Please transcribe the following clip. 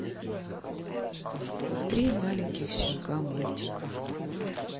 три маленьких щенка мультик